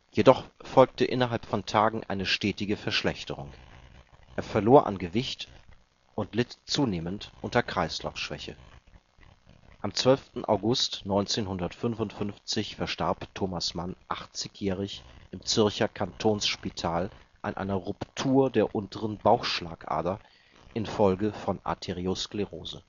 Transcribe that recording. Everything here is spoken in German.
Jedoch folgte innerhalb von Tagen eine stetige Verschlechterung: er verlor an Gewicht und litt zunehmend unter Kreislaufschwäche. Am 12. August 1955 verstarb Thomas Mann achtzigjährig im Zürcher Kantonsspital an einer Ruptur der unteren Bauchschlagader infolge von Arteriosklerose